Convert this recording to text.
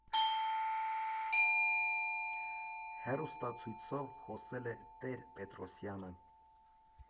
Հեռուստացույցով խոսել է Տեր֊֊Պետրոսյանը։